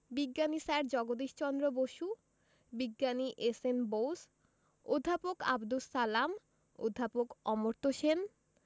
বিজ্ঞানী স্যার জগদীশ চন্দ্র বসু বিজ্ঞানী এস.এন বোস অধ্যাপক আবদুস সালাম অধ্যাপক অমর্ত্য সেন